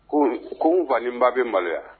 Ko ko n fa ni n ba be maloya